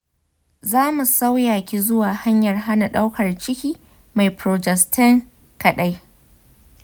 za mu sauya ki zuwa hanyar hana ɗaukar ciki mai progestogen kaɗai.